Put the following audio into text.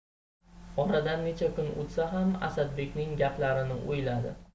oradan necha kun o'tsa ham asadbekning gaplarini o'ylaydi